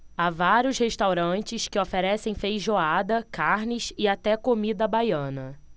há vários restaurantes que oferecem feijoada carnes e até comida baiana